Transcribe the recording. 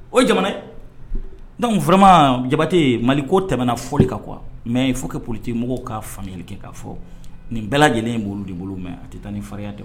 O jamana dɔnkuc fma jabate mali ko tɛmɛna fɔli ka qu mɛ fo ka polite mɔgɔw ka faamuyali kɛ ka fɔ nin bɛɛ lajɛlen bolo de bolo mɛ a tɛ taa ni fa tɛ